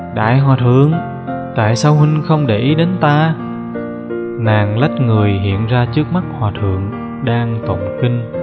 đại hòa thượng tại sao huynh không để ý đến ta nàng lách người hiện ra trước mắt hòa thượng đang tụng kinh